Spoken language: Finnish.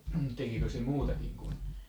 tekikö se muutakin kuin